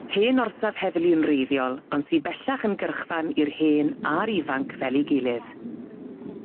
hen orsaf heddlu yn wreiddiol, ond sy bellach yn gyrchfan i'r hen a'r ifanc fel 'i gilydd.